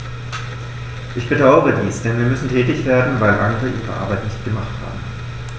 Ich bedauere dies, denn wir müssen tätig werden, weil andere ihre Arbeit nicht gemacht haben.